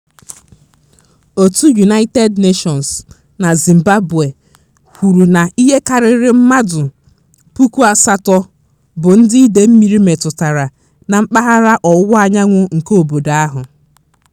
Òtù United Nations na Zimbabwe kwuru na ihe karịrị mmadụ 8,000 bụ ndị ide mmiri metụtara na mpaghara ọwụwaanyanwụ nke obodo ahụ.